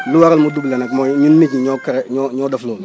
lu waral mu doublé nag mooy ñun nit ñi ñoo créé ñoo ñoo def loolu